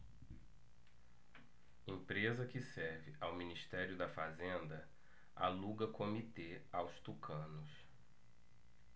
empresa que serve ao ministério da fazenda aluga comitê aos tucanos